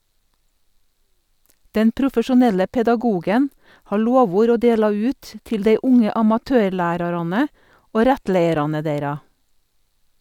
Den profesjonelle pedagogen har lovord å dela ut til dei unge amatørlærarane og rettleiarane deira.